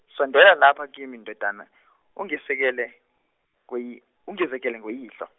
sondela lapha kimi ndodana, ungesekele ngoyi- ungizekele ngoyihlo.